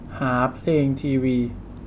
หาเพลงทีวี